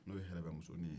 n'o ye yɛrɛbɛmusonin ye